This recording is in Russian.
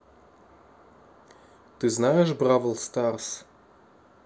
ты знаешь бравл старс